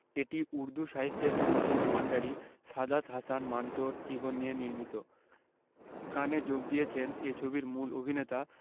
এটি উর্দু সাহিত্যের অন্যতম কান্ডারি সাদাত হাসান মান্টোর জীবন নিয়ে নির্মিত কানে যোগ দিয়েছেন এ ছবির মূল অভিনেতা